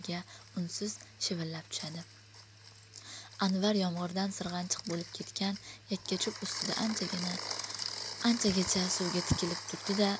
anvar yomg'irdan sirg'anchiq bomib ketgan yakkacho'p ustida anchagacha suvga tikilib turdi da